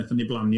Natho'n ni blanio